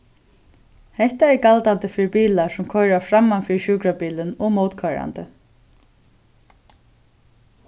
hetta er galdandi bæði fyri bilar sum koyra framman fyri sjúkrabilin og mótkoyrandi